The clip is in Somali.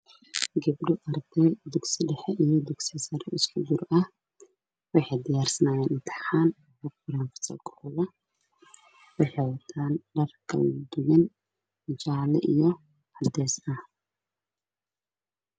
Gabdho arday dugsi dhexe iyo sare isku jir ah